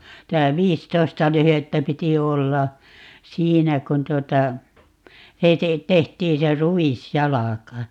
että viisitoista lyhdettä piti olla siinä kun tuota se - tehtiin se ruisjalka